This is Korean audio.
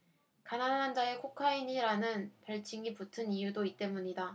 가난한 자의 코카인이라는 별칭이 붙은 이유도 이 때문이다